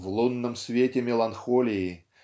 В лунном свете меланхолии